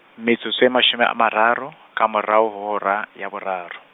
metsotso e mashome a mararo, ka morao hora, ya boraro.